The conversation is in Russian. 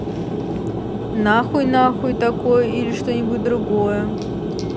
нахуй нахуй такой или что нибудь другое